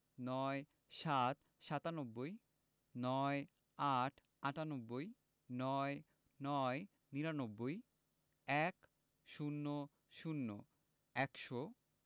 ৯৭ – সাতানব্বই ৯৮ - আটানব্বই ৯৯ - নিরানব্বই ১০০ – একশো